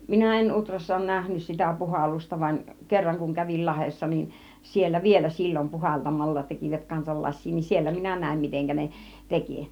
minä en Utrassa ole nähnyt sitä puhallusta vaan kerran kun kävin Lahdessa niin siellä vielä silloin puhaltamalla tekivät kanssa lasia niin siellä minä näin miten ne teki